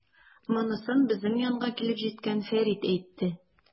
Монысын безнең янга килеп җиткән Фәрит әйтте.